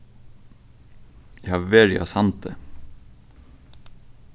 eg havi verið á sandi